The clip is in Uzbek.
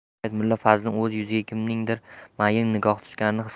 shu payt mulla fazliddin o'z yuziga kimningdir mayin nigohi tushganini his qildi